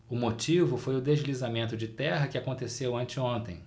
o motivo foi o deslizamento de terra que aconteceu anteontem